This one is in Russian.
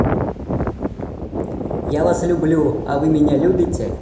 я вас люблю а вы меня любите